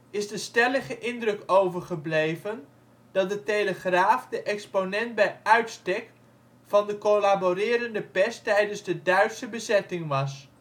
is de stellige indruk overgebleven dat De Telegraaf de exponent bij uitstek van de collaborerende pers tijdens de Duitse bezetting was